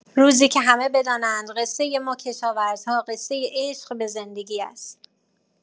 روزی که همه بدانند قصه ما کشاورزها قصه عشق به زندگی است.